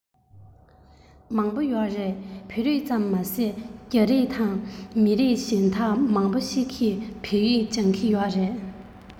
མང པོ ཡོད རེད བོད རིགས ཙམ མ ཟད རྒྱ རིགས དང མི རིགས གཞན དག མང པོ ཞིག གིས བོད ཡིག སྦྱོང གི ཡོད རེད